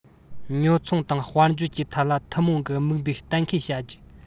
ཉོ ཚོང དང དཔལ འབྱོར གྱི ཐད ལ ཐུན མོང གི དམིགས འབེན གཏན འཁེལ བྱ རྒྱུ